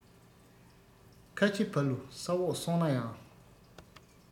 ཁ ཆེ ཕ ལུ ས འོག སོང ན ཡང